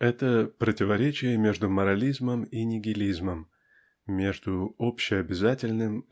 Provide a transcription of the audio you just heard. Это -- противоречие между морализмом и нигилизмом между общеобязательным